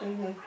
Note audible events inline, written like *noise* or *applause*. *hesitation* *hesitation*